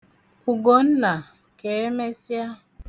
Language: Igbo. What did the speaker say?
Ugonna, keemesịa!